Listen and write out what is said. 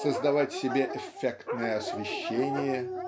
создавать себе эффектное освещение.